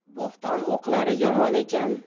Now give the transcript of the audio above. bo'hton o'qlari yomon ekan